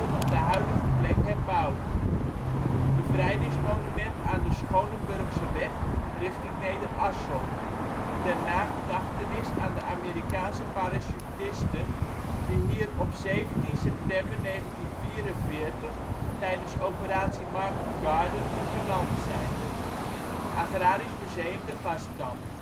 de huidige plek herbouwd. Bevrijdingsmonument aan de Schoonenburgseweg (richting Nederasselt). Ter nagedachtenis aan de Amerikaanse parachutisten die hier op 17 september 1944 tijdens Operatie Market Garden geland zijn. Agrarisch museum " De Garstkamp